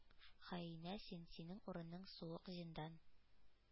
«хаинә син! синең урының — суык зиндан!»